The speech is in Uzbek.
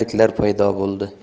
jarliklar paydo bo'ldi